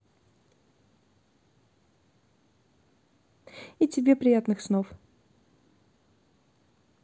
и тебе приятных снов